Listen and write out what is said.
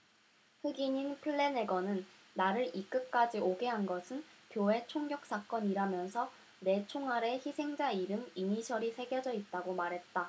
흑인인 플래내건은 나를 이 끝까지 오게 한 것은 교회 총격사건이라면서 내 총알에 희생자 이름 이니셜이 새겨져 있다고 말했다